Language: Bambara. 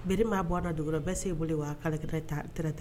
Bere maa bɔ a na dugu bɛɛ se' bolo wa a k'aletɛ